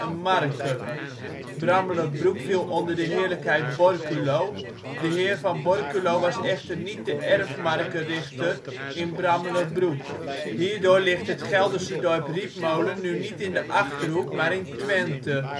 marke.. Brammelerbroek viel onder de Heerlijkheid Borculo. De heer van Borculo was echter niet de erfmarkerichter in Brammelerbroek. Hierdoor ligt het Gelderse dorp Rietmolen nu niet in de Achterhoek, maar in Twente